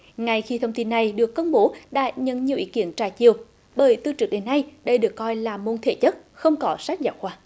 ngay khi thông tin này được công bố đã nhận nhiều ý kiến trái chiều bởi từ trước đến nay đây được coi là môn thể chất không có sách giáo khoa